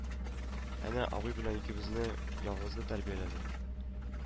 Әнә абый белән икебезне ялгызы тәрбияләде